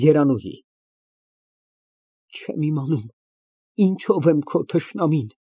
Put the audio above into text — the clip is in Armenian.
ԵՐԱՆՈՒՀԻ ֊ Չեմ իմանում ինչով եմ քո թշնամին։